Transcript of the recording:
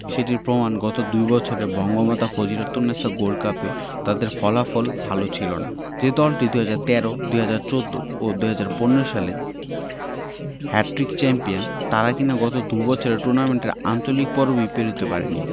সেটির প্রমাণ গত দুই বছরে বঙ্গমাতা ফজিলাতুন্নেছা গোল্ড কাপে তাদের ফলাফল ভালো ছিল না যে দলটি ২০১৩ ২০১৪ ও ২০১৫ সালে হ্যাটট্রিক চ্যাম্পিয়ন তারা কিনা গত দুই বছরে টুর্নামেন্টের আঞ্চলিক পর্বই পেরোতে পারেনি